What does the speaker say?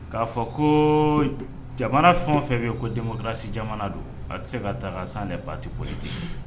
K'a fɔ ko jamana fɛn fɛ bɛ yen ko denmusokurasi jamana don a tɛ se ka ta ka san de patioli ten